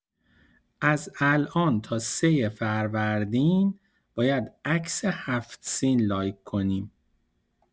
از الان تا ۳ فروردین باید عکس هفت‌سین لایک کنیم!